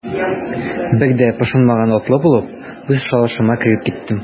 Бер дә пошынмаган атлы булып, үз шалашыма кереп киттем.